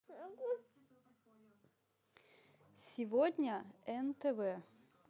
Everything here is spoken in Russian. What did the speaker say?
сегодня нтв